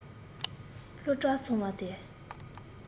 སློབ གྲྭར སོང བ དེ